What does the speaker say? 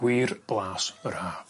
Gwir blas yr Ha.